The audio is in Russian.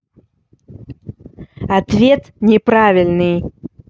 ответ неправильный